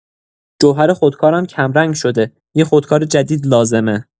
جوهر خودکارم کم‌رنگ شده، یه خودکار جدید لازمه.